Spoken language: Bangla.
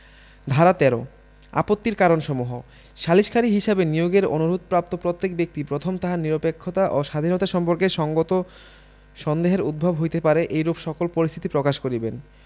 ধারা ১৩ আপত্তির কারণসমূহ সালিসকারী হিসাবে নিয়োগের অনুরোধ প্রাপ্ত প্রত্যেক ব্যক্তি প্রথম তাহার নিরপেক্ষতা ও স্বাধীনতা সম্পর্কে সঙ্গত সন্দেহের উদ্ভব হইতে পারে এইরূপ সকল পরিস্থিতি প্রকাশ করিবেন